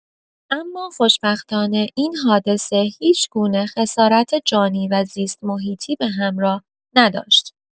اما خوشبختانه این حادثه هیچگونه خسارت جانی و زیست‌محیطی به همراه نداشت.